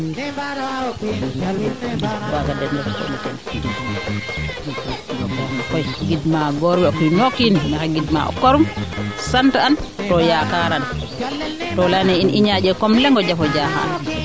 meete refna koy gid maa gor we o kiino kiin maxey gid maa o korum sant an too yaakaran to i leyane i ñaaƴe kom leŋ o jafo caaxan